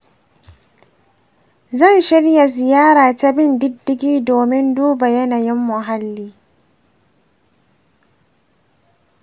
zan shirya ziyara ta bin diddigi domin duba yanayin muhalli.